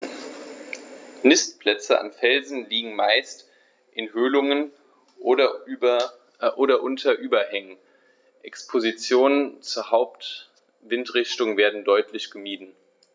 Nistplätze an Felsen liegen meist in Höhlungen oder unter Überhängen, Expositionen zur Hauptwindrichtung werden deutlich gemieden.